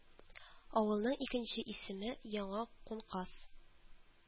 Авылның икенче исеме Яңа Кункас